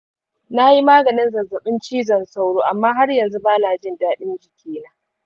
na yi maganin zazzabin cizon sauro amma har yanzu ba na jin daɗin jikina.